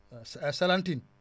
waaw ah Salane Tine